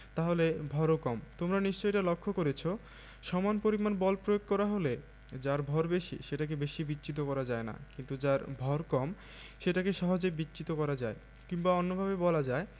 তাহলে ভরও কম তোমরা নিশ্চয়ই এটা লক্ষ করেছ সমান পরিমাণ বল প্রয়োগ করা হলে যার ভর বেশি সেটাকে বেশি বিচ্যুত করা যায় না কিন্তু যার ভর কম সেটাকে সহজে বিচ্যুত করা যায় কিংবা অন্যভাবে বলা যায়